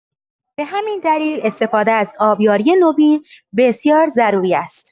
به همین دلیل استفاده از آبیاری نوین بسیار ضروری است.